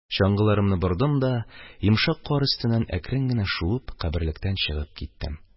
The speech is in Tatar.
Чаңгыларымны бордым да, йомшак кар өстеннән әкрен генә шуып, каберлектән чыгып киттем